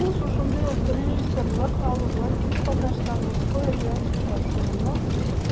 Ул шушындый ук режиссерлык алымын үзе катнашкан "Мужское/Женское" тапшыруының